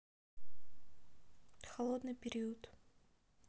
холодный период